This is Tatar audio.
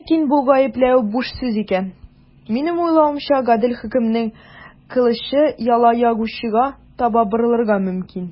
Ләкин бу гаепләү буш сүз икән, минем уйлавымча, гадел хөкемнең кылычы яла ягучыга таба борылырга мөмкин.